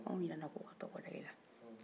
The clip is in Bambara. anw ɲinɛna ko ka tɔgɔ da e la